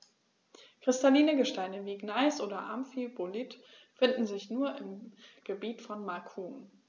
Kristalline Gesteine wie Gneis oder Amphibolit finden sich nur im Gebiet von Macun.